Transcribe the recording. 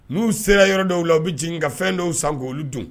N'u sera yɔrɔ dɔw la u bɛ jigin ka fɛn dɔw san k' dun